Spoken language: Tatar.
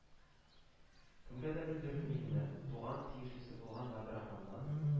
Кемгә дә белдерми генә, туган тиешлесе булган габдрахманнан